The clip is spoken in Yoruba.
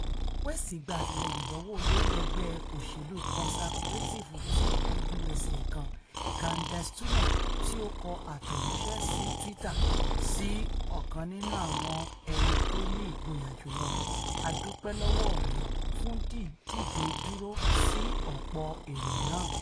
West gba àtìlẹ́yìn láti ọwọ́ olórí ẹgbẹ́ oṣèlú conservative TPUSA kan, Candace Turner tí ó kọ àtẹ̀ránṣẹ́ si tweeter: ''Sí ọ̀kan nínú àwọn ẹ̀mí tóní ìgboyà jùlọ: ''A DÚPẸ́ LỌ́WỌ́ RẸ FÚN DÍDÌDE DÚRÓ SÍ Ọ̀PỌ̀ ÈRÒ NÁÀ.''